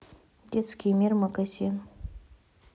детский мир магазин